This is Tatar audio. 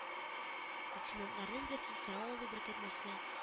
Лейтенантларның берсе сорау алу беркетмәсенә